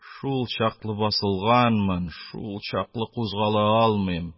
Шул чаклы басылганмын, шул чаклы кузгала алмыйм.